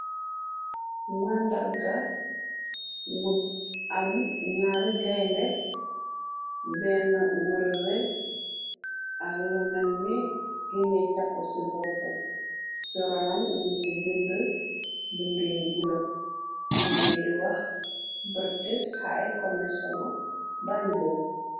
Màndarga mub am ñaari gaynde benn wurëre ak lu men ni liñuy chàpp ci bopp ci ronam nun ci nd bind yu bula bind yi di wax british high commissioner banjul.